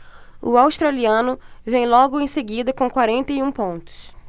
o australiano vem logo em seguida com quarenta e um pontos